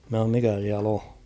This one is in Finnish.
minä sanoin mikä siellä on